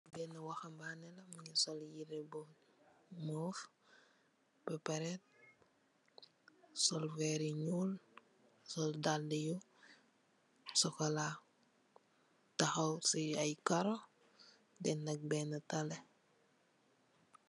Bena wahabaneh la mogi sol yereh bu move bapareh sol werr yu nuul sol daala yu chocola takaw si ay karo dendak bena tele.